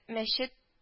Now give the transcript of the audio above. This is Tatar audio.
Мәчет